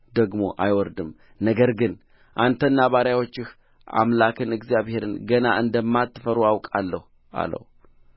ደግሞ አይወርድም ነገር ግን አንተና ባሪያዎችህ አምላክን እግዚአብሔርን ገና እንደማትፈሩ አውቃለሁ አለው